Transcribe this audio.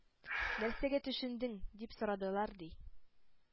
— нәрсәгә төшендең? — дип сорадылар, ди.